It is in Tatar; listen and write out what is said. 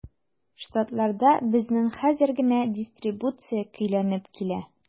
Штатларда безнең хәзер генә дистрибуция көйләнеп килә.